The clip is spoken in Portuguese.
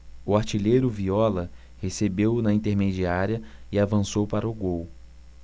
o artilheiro viola recebeu na intermediária e avançou para o gol